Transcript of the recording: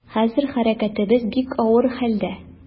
Хәзер хәрәкәтебез бик авыр хәлдә.